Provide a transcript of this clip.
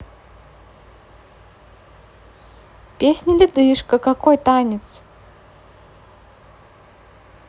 песня ледышка какой танец